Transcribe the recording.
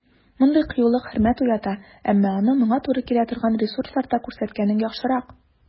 Мондый кыюлык хөрмәт уята, әмма аны моңа туры килә торган ресурсларда күрсәткәнең яхшырак.